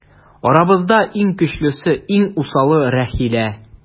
Арабызда иң көчлесе, иң усалы - Рәхилә.